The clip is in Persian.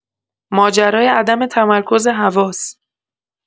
ماجرای عدم تمرکز حواس